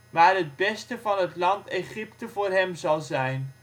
waar het beste van het land Egypte voor hem zal zijn